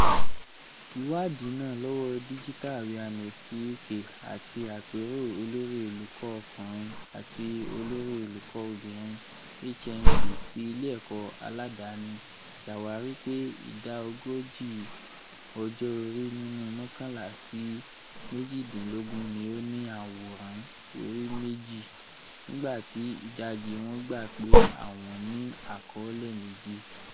Iwaadi naa, lọwọ Digital Awareness UK ati Apero Olori olukọ ọkunrin” ati Olori olukọ obinrin” (HMC) ti ile ẹkọ aladani, ṣawari pe ida 40 ọjọ ori nínú 11 si 18 ni o ni aworan ori meji, nigba ti idaji wọn gba pe awọn ni akọọlẹ meji.